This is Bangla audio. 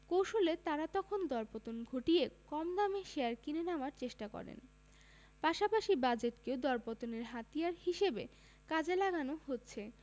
কৌশলে তাঁরা তখন দরপতন ঘটিয়ে কম দামে শেয়ার কিনে নেওয়ার চেষ্টা করেন পাশাপাশি বাজেটকেও দরপতনের হাতিয়ার হিসেবে কাজে লাগানো হচ্ছে